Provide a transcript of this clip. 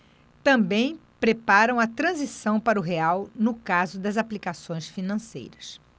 também preparam a transição para o real no caso das aplicações financeiras